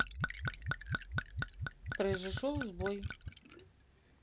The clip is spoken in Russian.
произошел сбой